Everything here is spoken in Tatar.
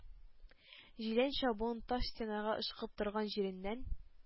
Җилән чабуын таш стенага ышкып торган җиреннән